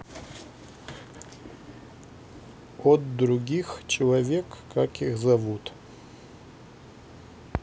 от других человек как их зовут